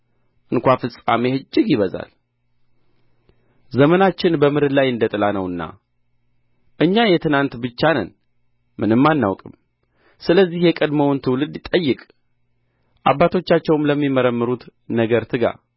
እንኳ ፍጻሜህ እጅግ ይበዛል ዘመናችን በምድር ላይ እንደ ጥላ ነውና እኛ የትናንት ብቻ ነን ምንም አናውቅም ስለዚህ የቀደመውን ትውልድ ጠይቅ አባቶቻቸውም ለመረመሩት ነገር ትጋ